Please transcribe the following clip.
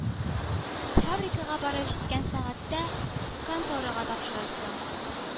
Фабрикага барып җиткән сәгатьтә конторага тапшырырсың.